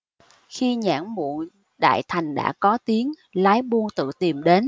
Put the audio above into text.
khi nhãn muộn đại thành đã có tiếng lái buôn tự tìm đến